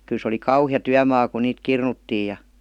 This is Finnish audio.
kyllä se oli kauhea työmaa kun niitä kirnuttiin ja